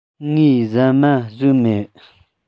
ངས ཟ མ ཟོས མེད